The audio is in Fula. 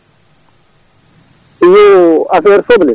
yo affaire soble